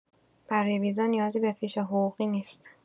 برای ویزا نیازی به فیش حقوقی نیست